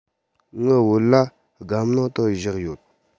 ངའི བོད ལྭ སྒམ ནང དུ བཞག ཡོད